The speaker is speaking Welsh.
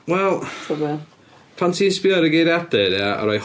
Wel ... Ta be? ...Pan ti'n sbio ar y geiriadur ia, a rhoi...